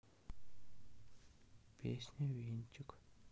песня винтик